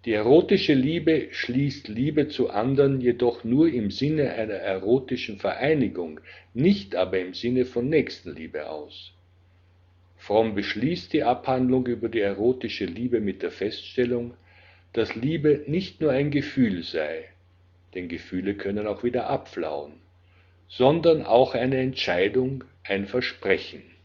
erotische Liebe schließt Liebe zu anderen jedoch nur im Sinne einer erotischen Vereinigung, nicht aber im Sinne von Nächstenliebe, aus. Fromm beschließt die Abhandlung über die erotische Liebe mit der Feststellung, dass Liebe nicht nur ein Gefühl sei - denn Gefühle können auch wieder abflauen -, sondern auch eine Entscheidung, ein Versprechen